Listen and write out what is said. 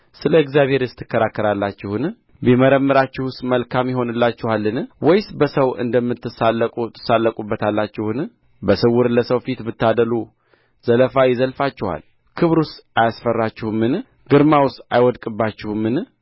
ስለ እግዚአብሔርስ ትከራከራላችሁን ቢመረምራችሁስ መልካም ይሆንልችኋልን ወይስ በሰው እንደምትሳለቁ ትሳለቁበታላችሁን በስውር ለሰው ፊት ብታደሉ ዘለፋ ይዘልፋችኋል ክብሩስ አያስፈራችሁምን ግርማውስ አይወድቅባችሁምን